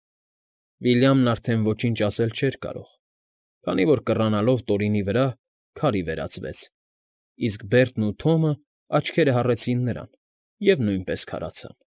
Վիլյամն արդեն ոչինչ ասել չէր կարող, քանի որ, կռանալով Տորինի վրա, քարի վերածվեց, իսկ Բերտն ու Թոմը աչքերը հառեցին նրան և նույնպես քարացան։